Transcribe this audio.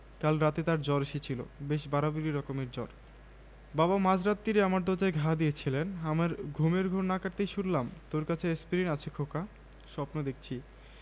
কাল রাতে তার জ্বর এসেছিল বেশ বাড়াবাড়ি রকমের জ্বর বাবা মাঝ রাত্তিরে আমার দরজায় ঘা দিয়েছিলেন আমার ঘুমের ঘোর না কাটতেই শুনলাম তোর কাছে এ্যাসপিরিন আছে খোকা স্বপ্ন দেখছি